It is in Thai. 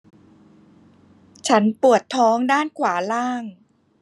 ฉันปวดท้องด้านขวาล่าง